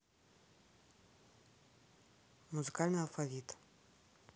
музыкальный алфавит